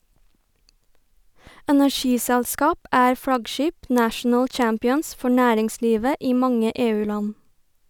Energiselskap er flaggskip, «national champions», for næringslivet i mange EU-land.